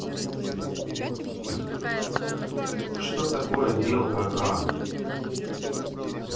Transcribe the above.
что такое белка ка